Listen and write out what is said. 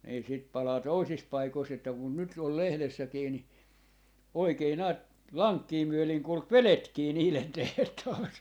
niin sitä palaa toisissa paikoissa että kun nyt oli lehdessäkin niin oikein näet lankkia myöden kulki vedetkin niiden tehtaaseen